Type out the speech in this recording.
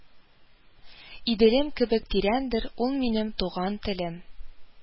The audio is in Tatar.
Иделем кебек тирәндер, ул минем туган телем